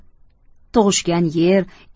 tug'ishgan yer